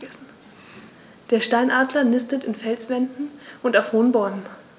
Der Steinadler nistet in Felswänden und auf hohen Bäumen.